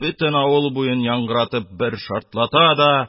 Бөтен авыл буен яңгыратып бер шартлата да,